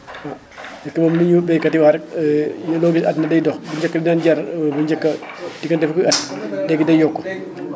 nit ki moom li ñu baykat yi wax rek yow loo gis àdduna day dox bu njëkk li daan jar bu njëkk di nga def léegi day yokku